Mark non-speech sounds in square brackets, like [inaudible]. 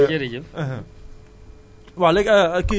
[laughs] waa jërëjëf Serigne Lo [noise]